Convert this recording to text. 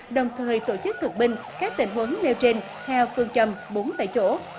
đồng thời tổ chức thực binh các tình huống nêu trên theo phương châm bốn tại chỗ